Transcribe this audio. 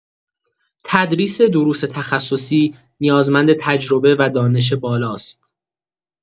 تدریس دروس تخصصی نیازمند تجربه و دانش بالاست.